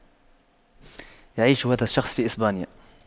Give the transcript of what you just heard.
يعيش هذا الشخص في اسبانيا